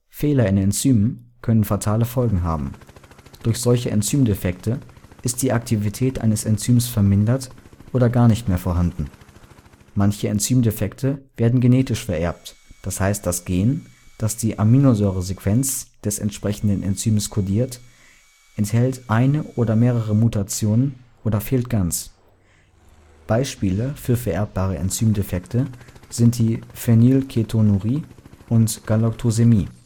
Fehler in Enzymen können fatale Folgen haben. Durch solche Enzymdefekte ist die Aktivität eines Enzyms vermindert oder gar nicht mehr vorhanden. Manche Enzymdefekte werden genetisch vererbt, d. h. das Gen, das die Aminosäuresequenz des entsprechenden Enzyms kodiert, enthält eine oder mehrere Mutationen oder fehlt ganz. Beispiele für vererbbare Enzymdefekte sind die Phenylketonurie und Galaktosämie